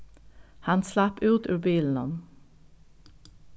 hann slapp út úr bilinum